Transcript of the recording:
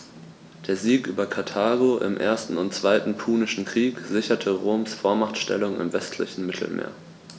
Der Sieg über Karthago im 1. und 2. Punischen Krieg sicherte Roms Vormachtstellung im westlichen Mittelmeer.